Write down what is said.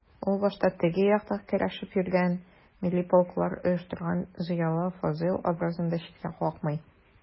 Ул башта «теге як»та көрәшеп йөргән, милли полклар оештырган зыялы Фазыйл образын да читкә какмый.